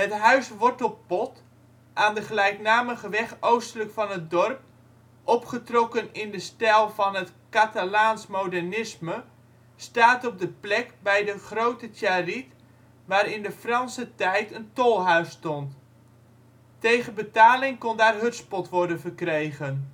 huis Wortelpot aan de gelijknamige weg oostelijk van het dorp, opgetrokken in de stijl van het Catalaans modernisme, staat op de plek bij de Groote Tjariet waar in de Franse tijd een tolhuis stond. Tegen betaling kon daar hutspot worden verkregen